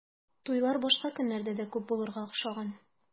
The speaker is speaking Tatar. Туйлар башка көннәрдә дә күп булырга охшаган.